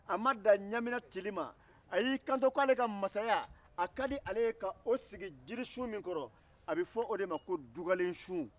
a ma dan ɲamina cili ma a y'i kan to k'ale ka masaya a ka di ale ye k'o sigi jirisun minkɔrɔ a bɛ fɔ o de ma ko dubalensun